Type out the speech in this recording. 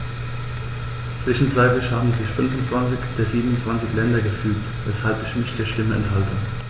Zwischenzeitlich haben sich 25 der 27 Länder gefügt, weshalb ich mich der Stimme enthalte.